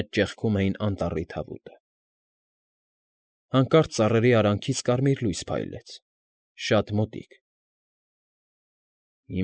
Մեջ ճեղքում էին անտառի թավուտը։ Հանկարծ ծառերի արանքից կարմիր լույս փայլեց, շատ մոտիկ։ ֊